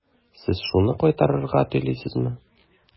Сез шуны кайтарырга телисезме?